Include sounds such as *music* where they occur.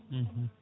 *hesitation* *hesitation*